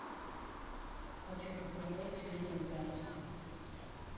хочу посмотреть фильмы в записи